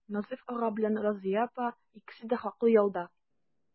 Назыйф ага белән Разыя апа икесе дә хаклы ялда.